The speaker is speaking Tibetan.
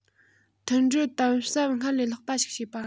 མཐུན སྒྲིལ དམ ཟབ སྔར ལས ལྷག པ ཞིག བྱེད པ